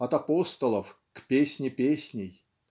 от апостолов к Песни Песней